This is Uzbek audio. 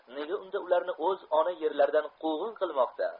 nega unda ularni o'z ona yerlaridan kuvgin qilmoqda